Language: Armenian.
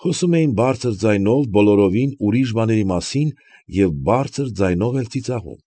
Խոսում էին բարձր ձայնով բոլորովին ուրիշ բաների մասին և բարձր ձայնով էլ ծիծաղում։